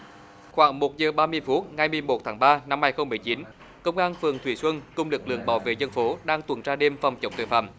khoảng một giờ ba mươi phút ngày mười mốt tháng ba năm bảy không bảy chín công an phường thủy xuân cùng lực lượng bảo vệ dân phố đang tuần tra đêm phòng chống tội phạm